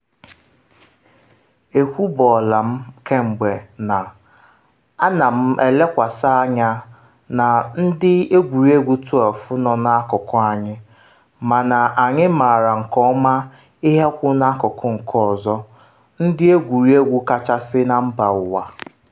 Ekwubuola m kemgbe na, A na m elekwasa anya na ndị egwuregwu 12 nọ n’akụkụ anyị, mana anyị maara nke ọma ihe kwụ n’akụkụ nke ọzọ - ndị egwuregwu kachasị na mba ụwa.”